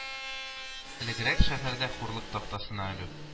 Элегрәк шәһәрдә хурлык тактасына элү